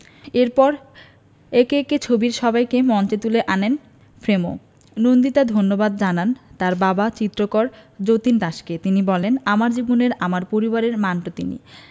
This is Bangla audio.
এরপর একে একে ছবির সবাইকে মঞ্চে তুলে আনেন ফ্রেমো নন্দিতা ধন্যবাদ জানান তার বাবা চিত্রকর যতীন দাসকে তিনি বলেন আমার জীবনের আমার পরিবারের মান্টো তিনি